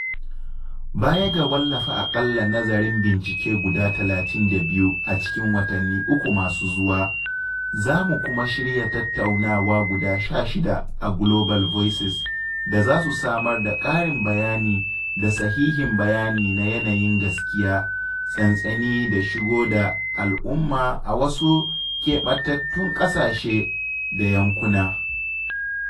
Baya ga wallafa aƙalla nazarin bincike guda 32 a cikin watanni uku masu zuwa, za mu kuma shirya tattaunawa guda 16 a Global Voices da zasu samar da ƙarin bayani da sahihin bayani na yanayin gaskiya, tsantseni da shigo da al’umma a wasu keɓantattun ƙasashe da yankuna.